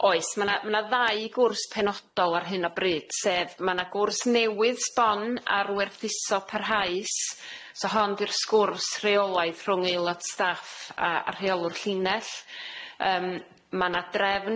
Oes, ma' na ma' na ddau gwrs penodol ar hyn o bryd sef ma' na gwrs newydd sbon ar werthuso parhaus so hon di'r sgwrs reolaidd rhwng aelod staff a a rheolwr llinell yym ma' na drefn